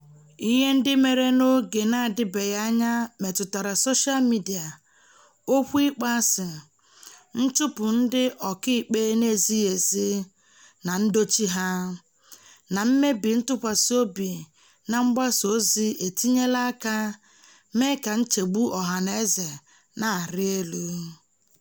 Ihe ndị mere n'oge na-adịbeghị anya metụtara soshaa midịa, okwu ịkpọasị, nchụpụ ndị ọka ikpe na-ezighị ezi na ndochi ha, na mmebi ntụkwasị obi na mgbasa ozi etinyeela aka mee ka nchegbu ọha na eze na-arị elu.